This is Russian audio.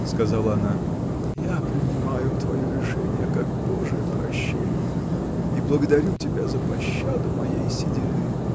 — сказала она, — я принимаю твое решение, как Божие прощение, — и благодарю тебя за пощаду моей седины.